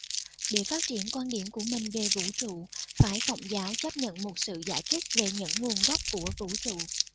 để phát triển quan điểm của mình về vũ trụ phái khổng giáo chấp nhận một sự giải thích về những nguồn gốc của vũ trụ